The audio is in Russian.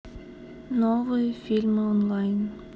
новые фильмы онлайн